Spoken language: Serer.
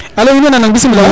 alo in way nanang bismila